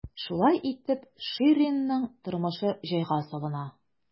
Шулай итеп, Ширинның тормышы җайга салына.